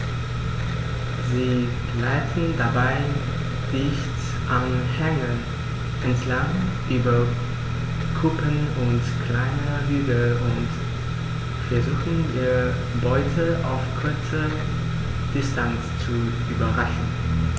Sie gleiten dabei dicht an Hängen entlang, über Kuppen und kleine Hügel und versuchen ihre Beute auf kurze Distanz zu überraschen.